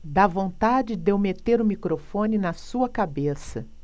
dá vontade de eu meter o microfone na sua cabeça